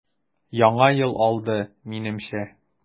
Яңа ел алды, минемчә.